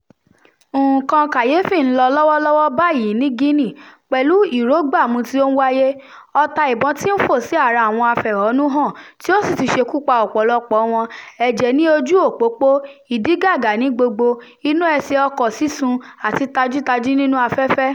Nǹkan kàyèéfì ń lọ lọ́wọ́ lọ́wọ́ báyìí ní Guinea, pẹ̀lú ìrógbàmù tí ó ń wáyé, ọta ìbon ti fọ́ sí ara àwọn afẹ̀hónúhàn tí ó sì ti ṣekú pa ọ̀pọ̀lọpọ̀ọ wọn, ẹ̀jẹ̀ ní ojúu pópó, ìdígàgá ní gbogbo, iná ẹsẹ̀ ọkọ̀ọ sísun àti tajútajú nínú afẹ́fẹ́.